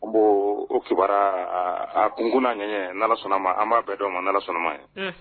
Bon o kibaruya a kunkun n'a ɲɛɲɛ, n'a Ala sɔnnama an b'a bɛn di aw ma ni ali Ala sonna m'a ma